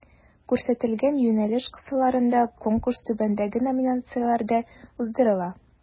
Күрсәтелгән юнәлеш кысаларында Конкурс түбәндәге номинацияләрдә уздырыла: